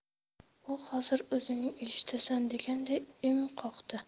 u hozir o'zing eshitasan deganday im qoqdi